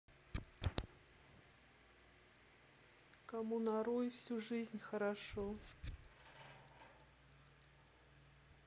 кому нарой всю жизнь хорошо